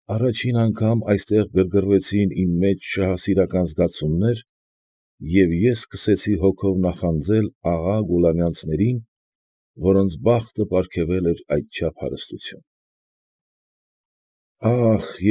Առաջին անգամ այստեղ գրգռվեցին իմ մեջ շահասիրական զգացումներ, և ես սկսեցի հոգով նախանձել աղա Գուլամյանցներին, որոնց բախտը պարգևել էր այդչափ հարստություն։ «Ախ,